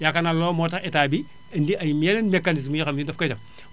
yaakaar naa loolu moo tax Etat bi indi ay yeneen mécanismes yoo xam ne dafa koy def